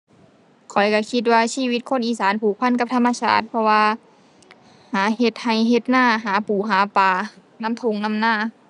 ข้อยก็คิดว่าชีวิตคนอีสานผูกพันกับธรรมชาติ เพราะว่าหาเฮ็ดก็เฮ็ดนา หาปูหาปลานำก็นำนา